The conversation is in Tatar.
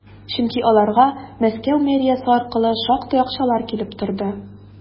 Чөнки аларга Мәскәү мэриясе аркылы шактый акчалар килеп торды.